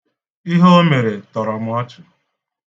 Ihe o mere tọrọ m ọchị.